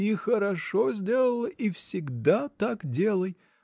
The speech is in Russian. — И хорошо сделала, и всегда так делай!